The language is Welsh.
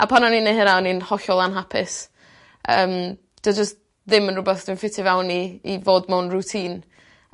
A pan o'n i'n neu' hynna o'n i'n hollol anhapus yym dyw e js ddim yn rwbeth dw'n ffitio fewn i i fod mown routine.